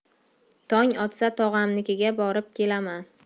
tong otsa tog'amnikiga borib kelaman